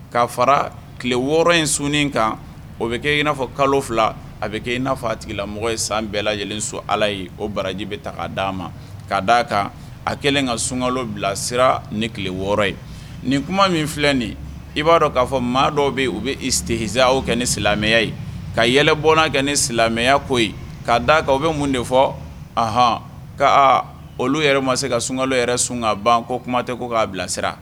K'a fara tile wɔɔrɔ in sunin kan o bɛ kɛ i n'a fɔ kalo fila a bɛ kɛ i na fa tigilamɔgɔ ye san bɛɛla lajɛlenlen so ala ye o baraji bɛ ta k'a d dia ma kaa d'a kan a kɛlen ka sunkalo bila sira ni tile wɔɔrɔ ye nin kuma min filɛ nin i b'a dɔn k'a fɔ maa dɔw bɛ u bɛ i sen aw kɛ ni silamɛya ye ka yɛlɛb kɛ ni silamɛya ko yen k'a d'a kan u bɛ mun de fɔ aɔn ka aa olu yɛrɛ ma se ka sunkalo yɛrɛ sunka ban kɔ kuma tɛ ko k'a bilasira